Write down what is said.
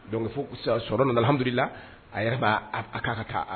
Don sɔ nanahamila a yɛrɛ'a a ka ka taa